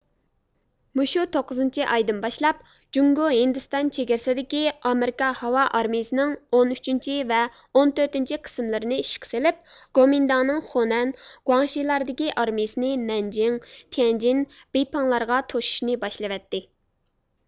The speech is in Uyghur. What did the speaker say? مۇشۇ توققۇزىنچى ئايدىن باشلاپ جۇڭگو ھىندىستان چېگرىسىدىكى ئامېرىكا ھاۋا ئارمىيىسىنىڭ ئون ئۈچىنچى ۋە ئون تۆتىنچى قىسىملىرىنى ئىشقا سېلىپ گومىنداڭنىڭ خۇنەن گۇاڭشىلاردىكى ئارمىيىسىنى نەنجىڭ تيەنجىن بېيپىڭلارغا توشۇشنى باشلىۋەتتى